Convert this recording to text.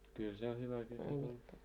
kyllä se hyvä sekin oli